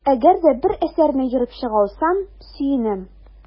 Әгәр дә бер әсәрне ерып чыга алсам, сөенәм.